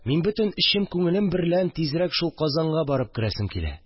Мин бөтен эчем-күңелем берлән тизрәк шул Казанга барып керәсем килә